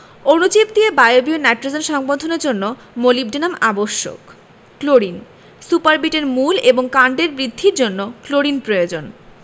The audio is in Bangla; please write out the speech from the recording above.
অণুজীব দিয়ে বায়বীয় নাইট্রোজেন সংবন্ধনের জন্য মোলিবডেনাম আবশ্যক ক্লোরিন সুপারবিট এর মূল এবং কাণ্ডের বৃদ্ধির জন্য ক্লোরিন প্রয়োজন